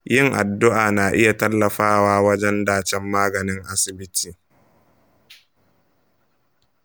yin addu'a na iya tallafawa wajan dacen maganin asibiti.